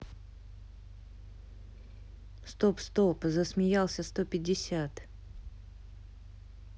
стоп стоп засмеялся сто пятьдесят